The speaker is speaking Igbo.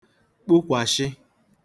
kpukwàshị